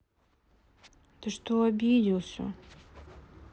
ты что обиделся